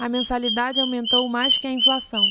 a mensalidade aumentou mais que a inflação